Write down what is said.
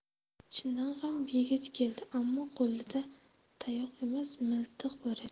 chindan ham yigit keldi ammo qo'lida tayoq emas miltiq bor edi